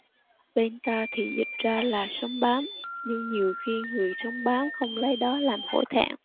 bên ta thì dịch ra là sống bám nhưng nhiều khi người sống bám không lấy đó làm hổ thẹn